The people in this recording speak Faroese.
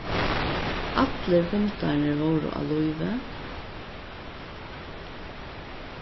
allir hundarnir vóru á lívi